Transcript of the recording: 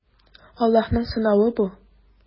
Аллаһның сынавы бу.